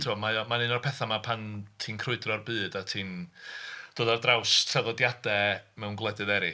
Tibod mae o... mae'n un o'r petha 'ma pan ti'n crwydro'r byd a ti'n dod ar draws traddodiadau mewn gwledydd eraill.